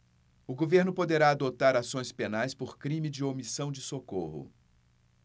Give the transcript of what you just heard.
o governo poderá adotar ações penais por crime de omissão de socorro